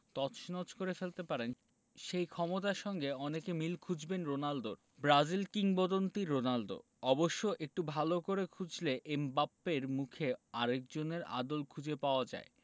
তছনছ করে ফেলতে পারেন সেই ক্ষমতার সঙ্গে অনেকে মিল খুঁজবেন রোনালদোর ব্রাজিল কিংবদন্তি রোনালদো অবশ্য একটু ভালো করে খুঁজলে এমবাপ্পের মুখে আরেকজনের আদল খুঁজে পাওয়া যায়